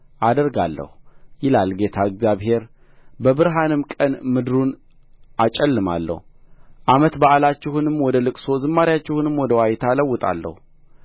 አደርጋለሁ ይላል ጌታ እግዚአብሔር በብርሃንም ቀን ምድሩን አጨልማለሁ ዓመት በዓላችሁንም ወደ ልቅሶ ዝማሬአችሁንም ወደ ዋይታ እለውጣለሁ